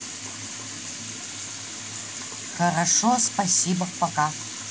хорошо спасибо пока